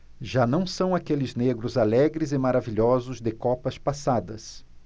já não são aqueles negros alegres e maravilhosos de copas passadas